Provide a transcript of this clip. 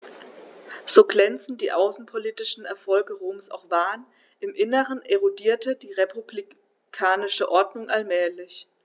So glänzend die außenpolitischen Erfolge Roms auch waren: Im Inneren erodierte die republikanische Ordnung allmählich.